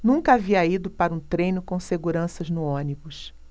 nunca havia ido para um treino com seguranças no ônibus